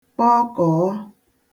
kpọkọ̀ọ